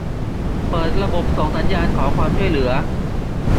เปิดระบบส่งสัญญาณขอความช่วยเหลือ